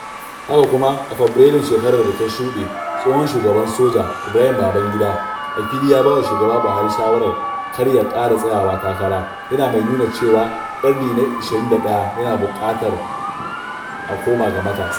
Haka kuma, a Fabarairun shekarar da ta shuɗe, tsohon shugaban soja, Ibrahim Babangida a fili ya ba wa shugaba Buhari shawarar kar ya ƙara tsayawa takara, yana mai nuna cewa ƙarni na 21 yana buƙatar a koma ga matasa.